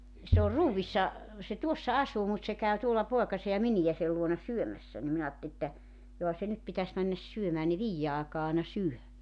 se on ruoissa se tuossa asuu mutta se käy tuolla poikansa ja miniänsä luona syömässä niin minä ajattelin että johan se nyt pitäisi mennä syömään ne viiden aikaan aina syö